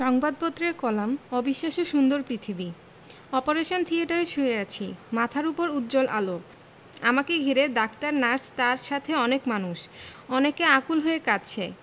সংবাদপত্রের কলাম অবিশ্বাস্য সুন্দর পৃথিবী অপারেশন থিয়েটারে শুয়ে আছি মাথার ওপর উজ্জ্বল আলো আমাকে ঘিরে ডাক্তার নার্স তার সাথে অনেক মানুষ অনেকে আকুল হয়ে কাঁদছে